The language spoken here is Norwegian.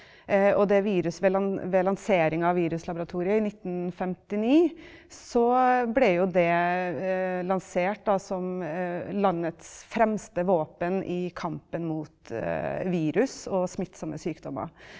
og det virus ved ved lansering av viruslaboratoriet i 1959 så ble jo det lansert da som landets fremste våpen i kampen mot virus og smittsomme sykdommer.